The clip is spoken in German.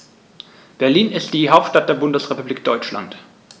Berlin ist die Hauptstadt der Bundesrepublik Deutschland.